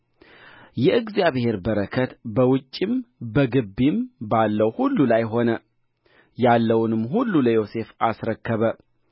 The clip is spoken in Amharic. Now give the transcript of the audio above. እርሱም እንቢ አለ ለጌታውም ሚስት እንዲህ አላት እነሆ ጌታዬ በቤቱ ያለውን ምንም ምን የሚያውቀው የለም ያለውንም ሁሉ ለእኔ አስረክቦኛል